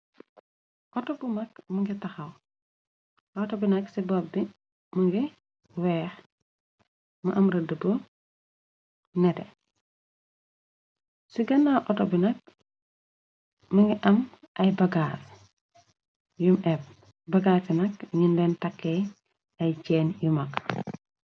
Auto bu mag mu ngi taxaw auto bi nag ci bopbi më ngi weex mu am rëddi bu nete ci ganna auto bi nak më ngi am ay bagaas yum eb bagaas yi nak ñun leen takkee ay cheen yu mag.